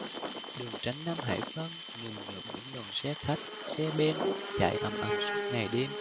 đường tránh nam hải vân nườm nượp những đoàn xe khách xe ben chạy ầm ầm suốt ngày đêm